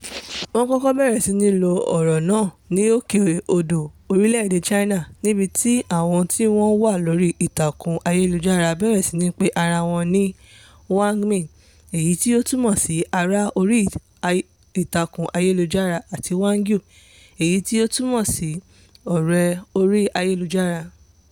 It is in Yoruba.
Wọ́n kọ́kọ́ bẹ̀rẹ̀ sí ní lo ọ̀rọ̀ náà ní òkè odò orílẹ̀ èdè China, níbi tí àwọn tí wọ́n wà lórí ìtàkùn ayélujára bẹ̀rẹ̀ sí ní pe ara wọn ní wangmin (èyí tí ó túmọ̀ sí "ará 'orí-ìtàkùn-ayélujára") àti wangyou (èyí tí ó túmọ̀ sí ọ̀rẹ́-orí - ayélujára").